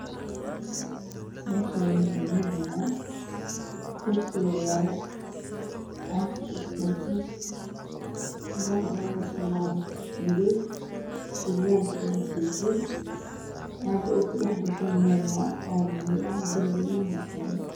Halkan waa yalo kursi waxaa saran cag madow ah waxaa kujiro sarwaal kalar kisi yahay cades